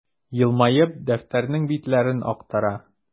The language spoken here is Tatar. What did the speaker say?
Елмаеп, дәфтәрнең битләрен актара.